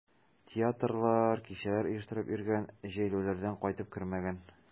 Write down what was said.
Театрлар, кичәләр оештырып йөргән, җәйләүләрдән кайтып кермәгән.